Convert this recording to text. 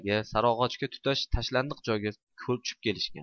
sariog'ochga tutash tashlandiq joyga ko'chib kelishgan